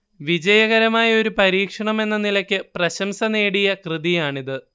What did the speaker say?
വിജയകരമായ ഒരു പരീക്ഷണമെന്ന നിലയ്ക്ക് പ്രശംസ നേടിയ കൃതിയാണിത്